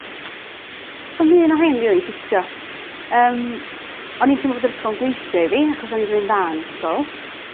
Do's sdim un o rhein rili'n ffitio yym o'n i'n teimlo fod yr ysgol yn gweithio i fi achos o'n i'n gwneud yn da yn ysgol.